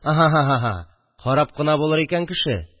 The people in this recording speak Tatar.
– ах-ха-ха! харап кына булыр икән кеше!